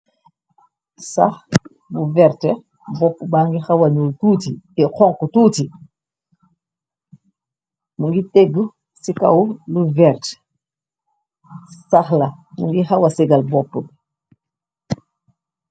Sax bu verte boppu ba ngi xawa ñuul tuuti, eh xonxu tuuti, mu ngi téggu ci kaw lu verte, saxla mungi xawa segal boppu bi.